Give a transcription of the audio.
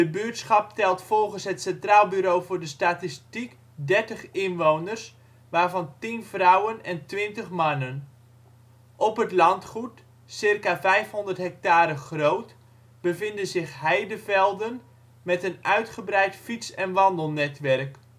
buurtschap telt volgens het Centraal Bureau voor de Statistiek 30 inwoners, waarvan 10 vrouwen en 20 mannen.. Op het landgoed, circa 500 hectare groot, bevinden zich heidevelden, met een uitgebreid fiets - en wandelnetwerk